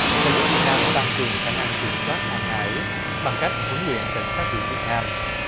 đã giúp việt nam tăng cường khả năng kiểm soát hàng hải bằng cách huấn luyện cảnh sát biển việt nam